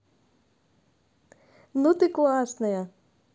ну ты классная